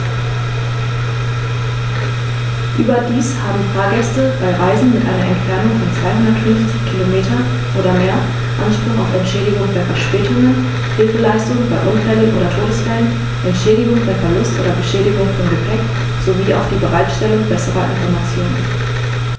Überdies haben Fahrgäste bei Reisen mit einer Entfernung von 250 km oder mehr Anspruch auf Entschädigung bei Verspätungen, Hilfeleistung bei Unfällen oder Todesfällen, Entschädigung bei Verlust oder Beschädigung von Gepäck, sowie auf die Bereitstellung besserer Informationen.